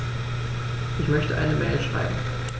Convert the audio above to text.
Ich möchte eine Mail schreiben.